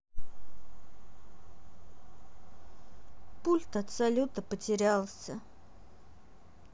пульт от салюта потерялся